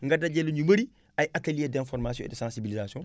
nga dajale ñu bëri ay ateliers d' information et de sensibilisation